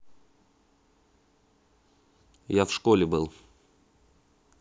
я в школе был